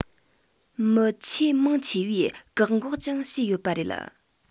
མི ཆེས མང ཆེ བས བཀག འགོག ཀྱང བྱས ཡོད པ རེད